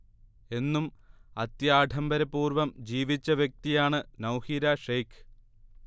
എന്നും അത്യാഢംബര പൂർവ്വം ജീവിച്ച വ്യക്തിയാണ് നൗഹീര ഷേയ്ഖ്